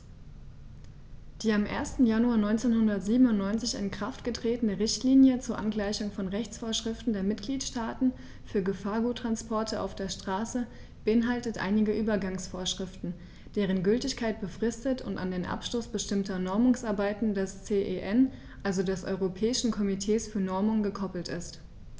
Die am 1. Januar 1997 in Kraft getretene Richtlinie zur Angleichung von Rechtsvorschriften der Mitgliedstaaten für Gefahrguttransporte auf der Straße beinhaltet einige Übergangsvorschriften, deren Gültigkeit befristet und an den Abschluss bestimmter Normungsarbeiten des CEN, also des Europäischen Komitees für Normung, gekoppelt ist.